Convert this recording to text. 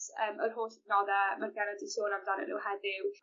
yym yr holl adnodde ma'r genod 'di sôn amdanyn n'w heddiw...